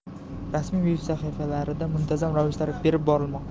rasmiy veb sahifalarida muntazam ravishda berib borilmoqda